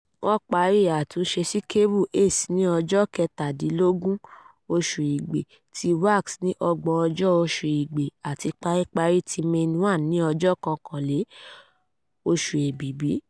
Wọ́n parí àtúnṣe sí kébù ACE ní ọjọ́ 17 oṣù Igbe, ti WACS ní ọjọ́ 30 oṣù Igbe, àti, paríparí, ti Mainone ní ọjọ́ 11 oṣù Èbìbí.